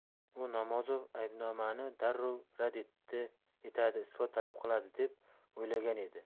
u namozov aybnomani darrov rad etadi isbot talab qiladi deb o'ylagan edi